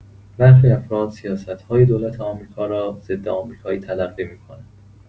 برخی افراد سیاست‌های دولت آمریکا را ضدآمریکایی تلقی می‌کنند.